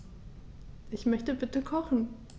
Ich möchte bitte kochen.